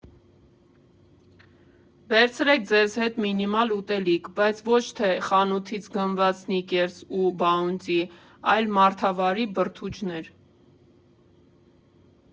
Վերցրեք ձեզ հետ մինիմալ ուտելիք, բայց ոչ թե խանութից գնված «Սնիկերս» ու «Բաունտի», այլ մարդավարի բրդուճներ։